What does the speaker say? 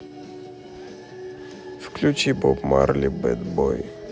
включи боб марли бэд бой